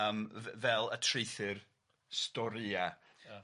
yym f- fel y traethir storï... Ia...